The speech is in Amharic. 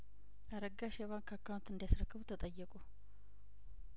አረጋሽ የባንክ አካውንት እንዲ ያስረክቡ ተጠየቁ